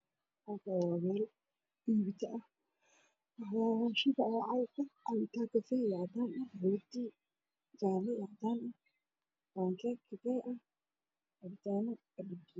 Waxaa yaalla miis waa saaran alaab ahaa kor saaran